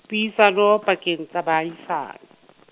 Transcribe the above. puisano, pakeng, tsa baahisani.